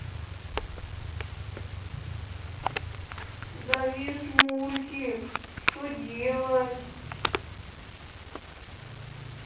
завис мультик что делать